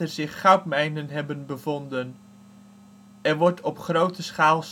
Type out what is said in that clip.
zich goudmijnen hebben bevonden. Er wordt op grote schaal